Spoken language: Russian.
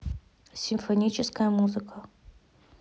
симфоническая музыка